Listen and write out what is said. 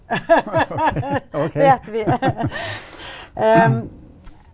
vet vi .